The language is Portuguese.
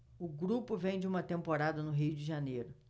o grupo vem de uma temporada no rio de janeiro